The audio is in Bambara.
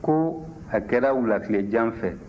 ko a kɛra wulatilejan fɛ